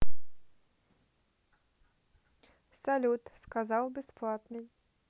салют сказал бесплатный